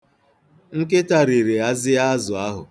Nkịta riri azịa azụ ahụ.